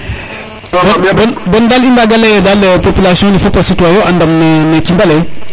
bon dal i mbaga leye population ne fopa sut wa yo a ndamna cimbale